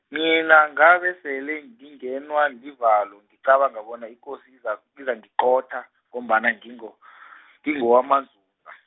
mina ngabesele ngingenwa livalo ngicabanga bona ikosi iza- izangiqotha, ngombana ngingo- , ngingowamaNdzundza.